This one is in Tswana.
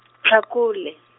Tlhakole.